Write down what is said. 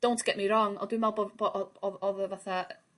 Don't get me wrong on' dwi me'wl bo' bo' o- odd o fatha